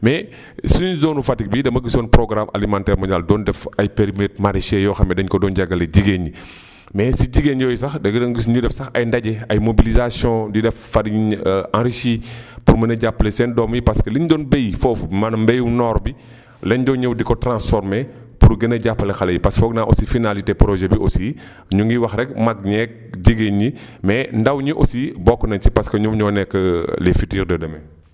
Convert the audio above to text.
mais suñu zone Fatick bii dama gisoon programme alimentaire mondial doon def ay périmètres maraichers yoo xam ne dañu ko doon jagale jigéen ñi mais si jigéen yooyu sax da nga doon gis ñu def sax ay ndaje ay mobilisation di def farine enrichie pour mën a jàppale seen doom yi parce que li ñu doon bay foofu maanaam mbayum noor bi la ñu doon ñëw di ko transformé pour gën a jàppale xale yi parce que foog naa aussi finalité projet bi aussi ñu ngi wax rekk mag ñeeg jigéen ñi mais ndaw ñi aussi bokk nañu ci parce que ñoom ñoo nekk les futurs de demain